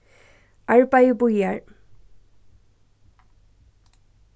arbeiðið bíðar